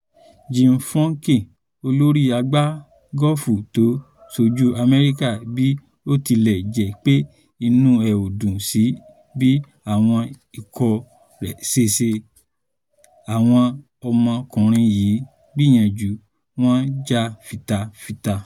Jim Furyk, olórí agbágọ́ọ̀fù tó ṣojú Amẹ́ríkà, bí ó tilẹ̀ jẹ́ pé inú ẹ̀ ò dùn sí bí àwọn ikọ̀ rẹ̀ ṣeṣe sí “Àwọn ọmọkùnrin yìí gbìyànjú. Wọ́n jà fitafita,